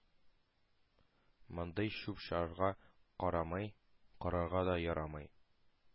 Мондый чүп-чарга карамый карарга да ярамый